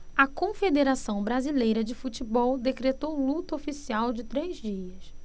a confederação brasileira de futebol decretou luto oficial de três dias